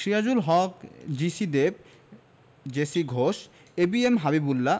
Sirajul Haq G C Dev J C Ghosh A B M Habibullah